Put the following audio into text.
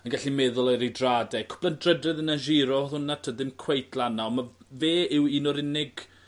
yn gallu meddwl ar ei drad e. Cwpwl o drydrydd yn y Giro o'dd hwnna 'tod dim cweit lan 'na on' ma' fe yw un o'r unig